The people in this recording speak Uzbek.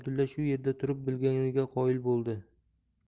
shu yerda turib bilganiga qoyil bo'ldi